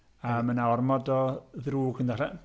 A mae yna ormod o ddrwg yn dod allan.